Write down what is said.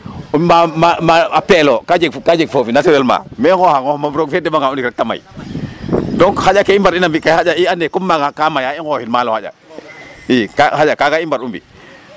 Ma maaga a peelo ka jeg foofi naturellement me i nqooxaa nqoox moom roog fe deɓanga o ndik rek ta may donc xaƴa ke i mbar'ina mbi' kay comme xaƴa maaga kaa mayaa i nqooxin maalo xaƴa i xaƴa kaaga i mbar'u mbi'